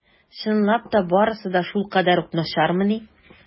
Чынлап та барысы да шулкадәр үк начармыни?